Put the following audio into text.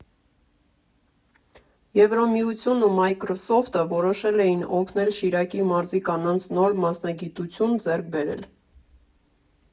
Եվրամիությունն ու Մայքրսոֆթը որոշել էին օգնել Շիրակի մարզի կանանց նոր մասնագիտություն ձեռք բերել։